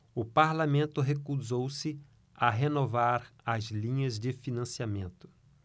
o parlamento recusou-se a renovar as linhas de financiamento